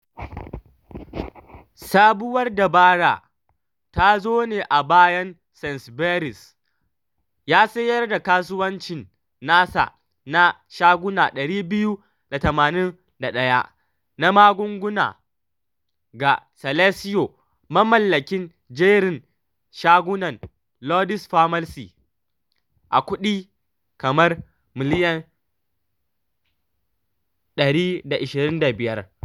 Sabuwar dabarar ta zo ne a bayan Sainsbury's ya sayar da kasuwancin nasa na shaguna 281 na magunguna ga Celesio, mamallakin jerin shagunan Lloyds Pharmacy, a kuɗi Fam miliyan 125.